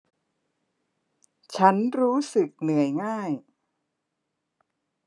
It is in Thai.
ฉันรู้สึกเหนื่อยง่าย